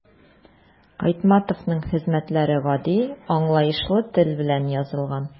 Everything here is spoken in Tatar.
Айтматовның хезмәтләре гади, аңлаешлы тел белән язылган.